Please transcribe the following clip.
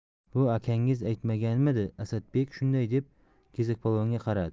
bu akangiz aytmaganmidi asadbek shunday deb kesakpolvonga qaradi